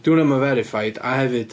'Di hwnna ddim yn verified. A hefyd...